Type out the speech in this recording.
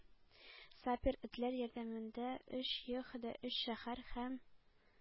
Сапер этләр ярдәмендә өч йөх дә өч шәһәр һәм